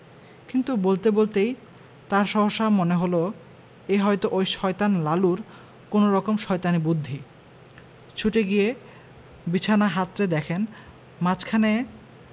কিন্তু বলতে বলতেই তাঁর সহসা মনে হলো এ হয়ত ঐ শয়তান লালুর কোনরকম শয়তানি বুদ্ধি ছুটে গিয়ে বিছানা হাতড়ে দেখেন মাঝখানে